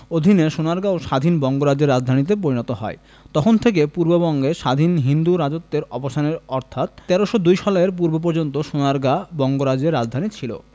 অধীনে সোনারগাঁও স্বাধীন বঙ্গরাজ্যের রাজধানীতে পরিণত হয় তখন থেকে পূর্ববঙ্গে স্বাধীন হিন্দু রাজত্বের অবসানের অর্থাৎ ১৩০২ সালের পূর্ব পর্যন্ত সোনারগাঁ বঙ্গরাজ্যের রাজধানী ছিল